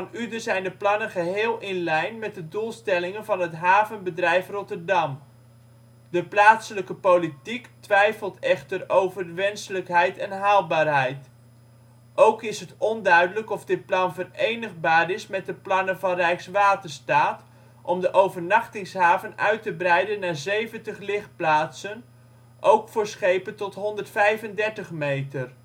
Uden zijn de plannen geheel in lijn met de doelstellingen van het Havenbedrijf Rotterdam. De plaatselijke politiek twijfelt echter over wenselijkheid en haalbaarheid. Ook is het onduidelijk of dit plan verenigbaar is met plannen van Rijkswaterstaat om de overnachtingshaven uit te breiden naar 70 ligplaatsen, ook voor schepen tot 135 meter